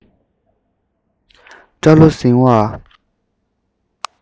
སྐྲ ལོ ཟིང བ